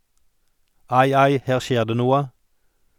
Ai ai, her skjer det noe.